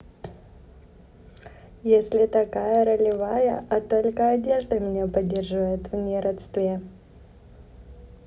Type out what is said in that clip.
если такая ролевая а только одежда меня поддерживает в неродстве